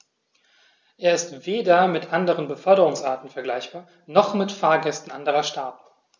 Er ist weder mit anderen Beförderungsarten vergleichbar, noch mit Fahrgästen anderer Staaten.